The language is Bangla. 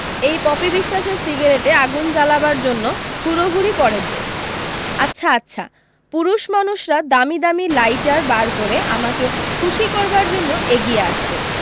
এই পপি বিশ্বাসের সিগারেটে আগুন জবালাবার জন্য হুড়োহুড়ি পড়ে যে আচ্ছা আচ্ছা পুরুষমানুষরা দামী দামী লাইটার বার করে আমাকে খুশি করবার জন্য এগিয়ে আসতো